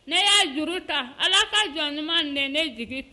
Ne y'a juru ta ala ka jɔn ɲumanuma nen jigin to